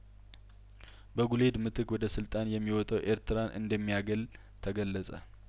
በጉሌድ ምትክ ወደ ስልጣን የሚወጣው ኤርትራን እንደሚያገል ተገለጸ